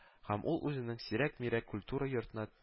Һәм ул үзенең сирәк-мирәк культура йортына